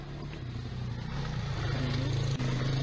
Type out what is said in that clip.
приют фильм